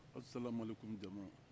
a salamalekoumou jama